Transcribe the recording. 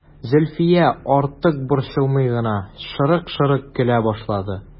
Зөлфия, артык борчылмый гына, шырык-шырык көлә башлады.